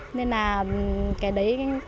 nên là cái đấy